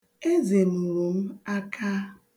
Eze nuru m aka.